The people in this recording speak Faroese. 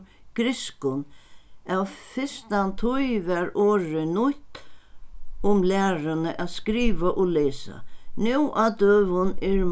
grikskum av fyrstantíð varð orðið nýtt um læruna at skriva og lesa nú á døgum er